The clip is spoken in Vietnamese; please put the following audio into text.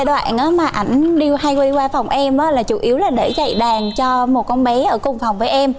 đoạn á mà ảnh hay đi qua phòng em đó là chủ yếu là để chạy đàn cho một con bé ở cùng phòng với em